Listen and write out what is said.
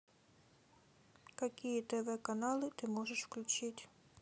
какие тв каналы ты можешь включить